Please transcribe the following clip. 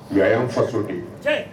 Ɲɔ y' faso de ye